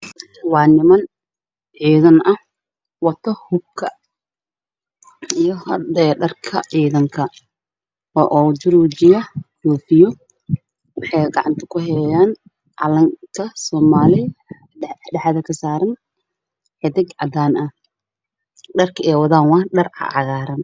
Waa niman cidan ah wato hub iyo dhar ciidan waxay gacanta ku hayan calanka somali dhexda ku leh xidig cad waxay watan dhar cag cagarn